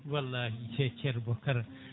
wallahi ceerno Bocara